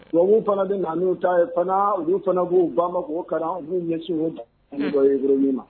Wa u fana bɛ na uu ta fana u fana b'u ban ma' kalan u b'u ɲɛsinr min ma